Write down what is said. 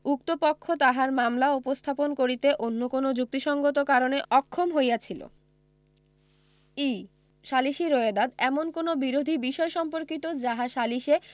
উক্ত পক্ষ তাহার মামলা উপস্থাপন করিতে অন্য কোন যুক্তিসংগত কারণে অক্ষম হইয়াছিল ঈ সালিসী রোয়েদাদ এমন কোন বিরোধী বিষয় সম্পর্কিত যাহা সালিসে